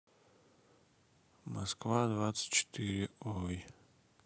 москва двадцать четыре ой